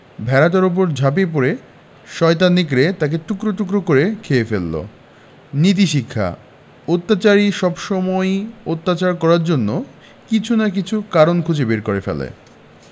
ভেড়াটার উপর ঝাঁপিয়ে পড়ে শয়তান নেকড়ে তাকে টুকরো টুকরো করে খেয়ে ফেলল নীতিশিক্ষাঃ অত্যাচারী সবসময়ই অত্যাচার করার জন্য কিছু না কিছু কারণ খুঁজে বার করে ফেলে